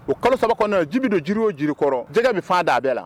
O kalo saba kɔnɔ jibi don jiri o juru kɔrɔ jɛgɛ min faa d a bɛɛ la